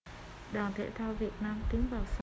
đoàn thể thao việt nam tiến vào sân